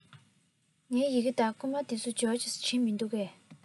ངའི ཡི གེ དང བསྐུར མ དེ ཚོ འབྱོར བྱུང ཟེར གྱི མི འདུག གས